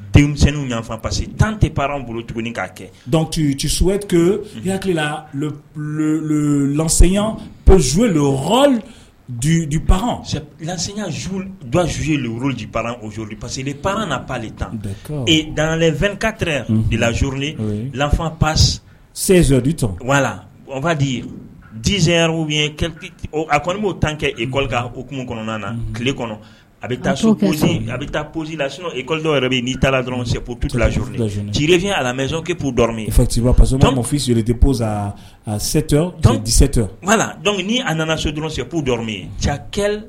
lanya pzoyazez tan ee dan2 yan de lazo fa pa sɛzodi waladiz a kɔni b'o tan kɛ ekɔli okumu kɔnɔna na tile kɔnɔ a bɛ taa so posi a bɛ taa pzsi lakɔ yɛrɛ bɛ n'i ta la dɔrɔnplaz jirefiya alamikipu dɔrɔn minsi di ni nana so dɔrɔnsɛpu